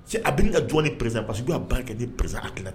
Cɛ a bi ka jɔn ni perez pa basi que b'a barika kɛ di peresa a tila